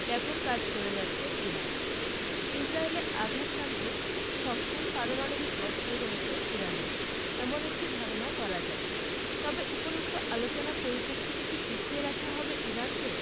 ব্যাপক কাজ করে যাচ্ছে ইরান ইসরায়েলে আঘাত হানতে সক্ষম পারমাণবিক অস্ত্র রয়েছে ইরানের এমন একটি ধারণা করা হয় তবে উপরোক্ত আলোচনার পরিপ্রেক্ষিতে কি পিছিয়ে রাখা হবে ইরানকে